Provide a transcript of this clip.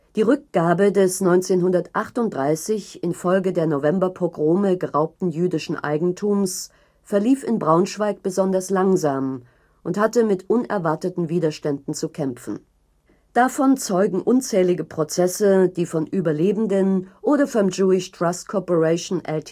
Die Rückgabe des 1938 in Folge der Novemberpogrome geraubten jüdischen Eigentums verlief in Braunschweig besonders langsam und hatte mit unerwarteten Widerständen zu kämpfen. Davon zeugen unzählige Prozesse, die von Überlebenden oder vom Jewish Trust Corporation Ltd.